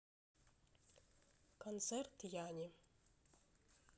концерт яни